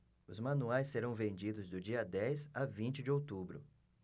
os manuais serão vendidos do dia dez a vinte de outubro